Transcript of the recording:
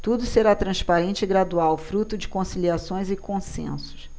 tudo será transparente e gradual fruto de conciliações e consensos